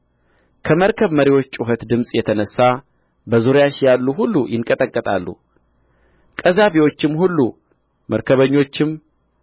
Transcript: ከመርከብ መሪዎች ጩኸት ድምፅ የተነሣ በዙሪያሽ ያሉ ሁሉ ይንቀጠቀጣሉ ቀዛፊዎችም ሁሉ መርከበኞችም